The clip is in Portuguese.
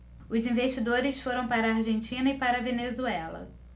os investidores foram para a argentina e para a venezuela